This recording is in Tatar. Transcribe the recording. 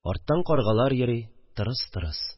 Арттан каргалар йөри. Тырыс-тырыс